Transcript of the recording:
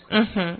Unhun